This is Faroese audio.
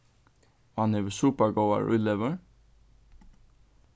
og hann hevur super góðar ílegur